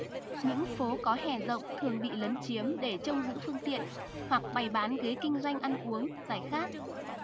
những phố có hè rộng thường bị lấn chiếm để trông giữ phương tiện hoặc bày bàn ghế kinh doanh ăn uống giải khát